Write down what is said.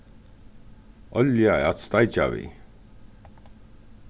olja at steikja við